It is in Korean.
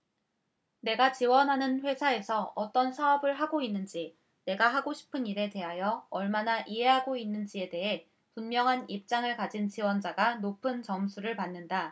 내가 지원하는 회사에서 어떤 사업을 하고 있는지 내가 하고 싶은 일에 대하여 얼마나 이해하고 있는지에 대해 분명한 입장을 가진 지원자가 높은 점수를 받는다